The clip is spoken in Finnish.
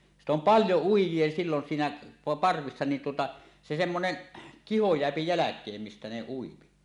sitten on paljon uijia silloin siinä parvessa niin tuota se semmoinen kiho jää jälkeen mistä ne ui